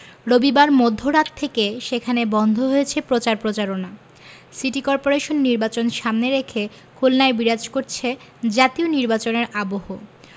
রবিবার মধ্যরাত থেকে সেখানে বন্ধ হয়েছে প্রচার প্রচারণা সিটি করপোরেশন নির্বাচন সামনে রেখে খুলনায় বিরাজ করছে জাতীয় নির্বাচনের আবহ